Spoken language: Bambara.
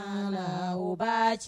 Sababatigi